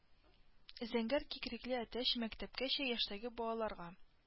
Зәңгәр кикрикле әтәч мәктәпкәчә яшьтәге балаларга